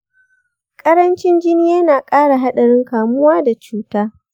ƙarancin jini yana ƙara haɗarin kamuwa da cuta.